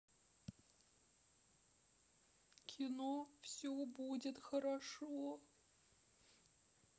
кино все будет хорошо